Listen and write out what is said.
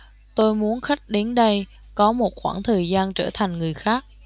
tôi muốn khách đến đây có một khoảng thời gian trở thành người khác